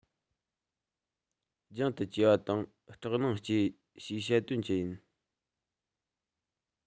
རྒྱང དུ གྱེས པ དང སྐྲག སྣང སྐྱེ ཞེས བཤད དོན ཅི ཡིན